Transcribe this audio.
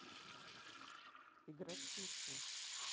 играть в снежки